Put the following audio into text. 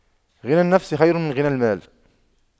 غنى النفس خير من غنى المال